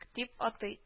Дип атый